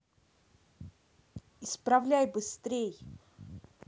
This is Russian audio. исправляй быстрее